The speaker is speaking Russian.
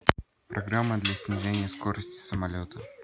программа для снижения скорости самолета